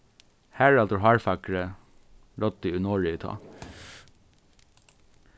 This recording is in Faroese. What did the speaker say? haraldur hárfagri ráddi í noregi tá